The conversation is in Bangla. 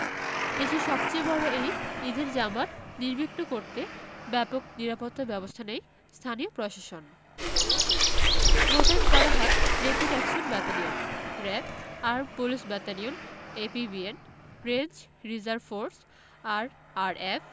দেশের সবচেয়ে বড় এই ঈদের জামাত নির্বিঘ্ন করতে ব্যাপক নিরাপত্তাব্যবস্থা নেয় স্থানীয় প্রশাসন মোতায়েন করা হয় rapid action battalion RAB armed police battalion APBN range reserve force RRF